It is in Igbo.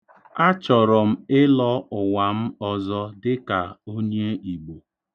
Achọrọ ịlọ ụwa m ọzọ dịka onye Igbo.